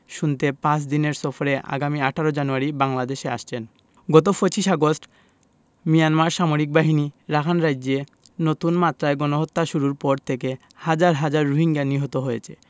শুনতে পাঁচ দিনের সফরে আগামী ১৮ জানুয়ারি বাংলাদেশে আসছেন গত ২৫ আগস্ট মিয়ানমার সামরিক বাহিনী রাখাইন রাজ্যে নতুন মাত্রায় গণহত্যা শুরুর পর থেকে হাজার হাজার রোহিঙ্গা নিহত হয়েছে